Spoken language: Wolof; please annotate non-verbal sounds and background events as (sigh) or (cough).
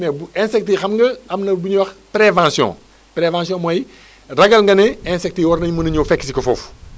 mais bu insecte yi xam nga am na bu ñuy wax prévention prévention mooy (breath) ragal nga ni insectes yi war nañ mën a ñëw fekk si ko foofu